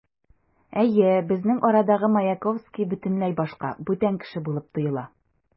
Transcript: Әйе, безнең арадагы Маяковский бөтенләй башка, бүтән кеше булып тоела.